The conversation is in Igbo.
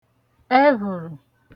efhuru